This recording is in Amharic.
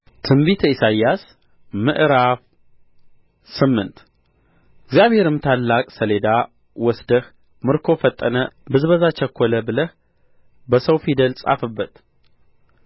ትንቢተ ኢሳይያስ ምዕራፍ ስምንት እግዚአብሔርም ታላቅ ሰሌዳ ወስደህ ምርኮ ፈጠነ ብዝበዛ ቸኰለ ብለህ በሰው ፊደል ጻፍበት